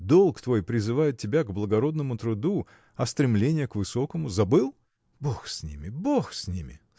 долг твой призывает тебя к благородному труду. А стремления к высокому – забыл? – Бог с ними! Бог с ними!